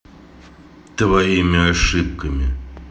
твоими ошибками